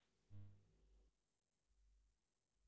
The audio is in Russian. рот енот